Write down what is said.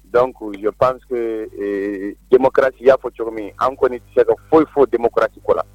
Dɔnku' pan de karatasi y'a fɔ cogo min an kɔni se ka foyi foyi dera kɔ la